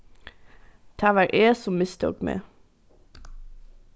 tað var eg sum mistók meg